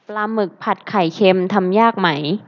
ปลาหมึกผัดไข่เค็มทำยากไหม